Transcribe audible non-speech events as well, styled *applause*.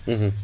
*hesitation* *hesitation*